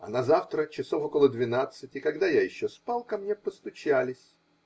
А назавтра, часов около двенадцати, когда я еще спал, ко мне постучались.